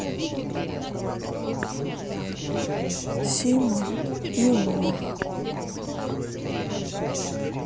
сима и ло